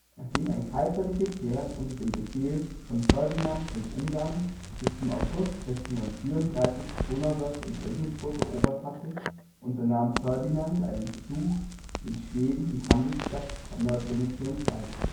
Nachdem ein kaiserliches Heer unter dem Befehl von Ferdinand von Ungarn bis zum August 1634 Donauwörth und Regensburg erobert hatte, unternahm Ferdinand einen Versuch, den Schweden die Handelsstadt Nördlingen zu entreißen